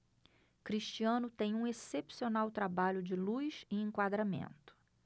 cristiano tem um excepcional trabalho de luz e enquadramento